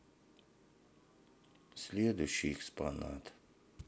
следующий экспонат